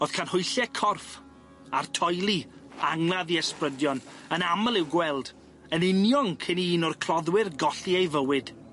O'dd canhwyllie corff, a'r toili, angladd i ysbrydion yn amal i'w gweld yn union cyn i un o'r cloddwyr golli ei fywyd.